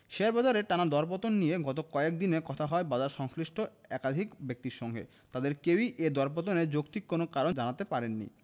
share বাজারের টানা দরপতন নিয়ে গত কয়েক দিনে কথা হয় বাজারসংশ্লিষ্ট একাধিক ব্যক্তির সঙ্গে তাঁদের কেউই এ দরপতনের যৌক্তিক কোনো কারণ জানাতে পারেননি